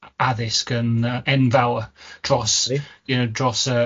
addysg yn yy enfawr dros dros y